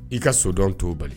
I ka sodɔn t'o bali